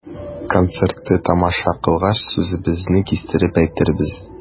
Концертны тамаша кылгач, сүзебезне кистереп әйтербез.